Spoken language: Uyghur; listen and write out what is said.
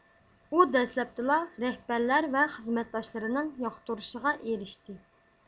ئۇ دەسلەپتىلا رەھبەرلەر ۋە خىزمەتداشلىرىنىڭ ياقتۇرۇشىغا ئېرىشتى